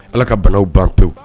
Ala ka banaw ban pewu